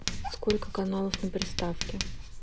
сколько каналов на приставке